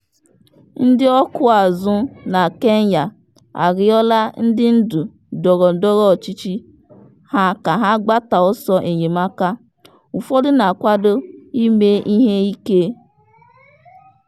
Ndị ọkụ azụ̀ na Kenya arịọla ndị ndú ndọrọ ndọrọ ọchịchị ha ka ha gbata ọsọ enyemaka, ụfọdụ na-akwado ime ihe ike.